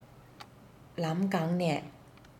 ལམ གང ནས